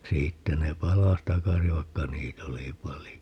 siitä ne palasi takaisin vaikka niitä oli paljon